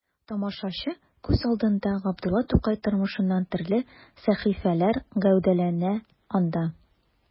Тамашачы күз алдында Габдулла Тукай тормышыннан төрле сәхифәләр гәүдәләнә анда.